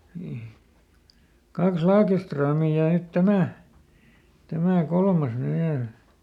niin kaksi Lagerströmiä ja nyt tämä tämä kolmas nyt vielä